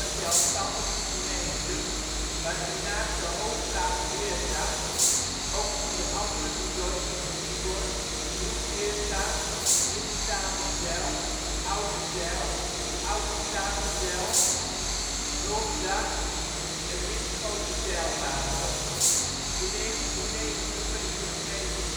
zelfstandige gemeente, waarin naast de hoofdplaats Beerta ook onder andere de dorpen Drieborg, Nieuw-Beerta, Nieuwe Statenzijl, Oudezijl, Oude Statenzijl, Ulsda en Winschoterzijl lagen. In 1990 werden de gemeenten Beerta